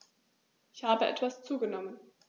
Ich habe etwas zugenommen